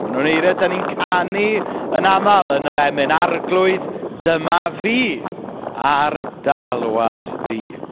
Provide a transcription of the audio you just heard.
Maen nhw'n eiriau dan ni'n canu yn aml yn yr emyn, "arglwydd dyma fi, ar dy alwad di".